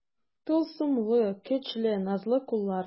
Тылсымлы, көчле, назлы куллар.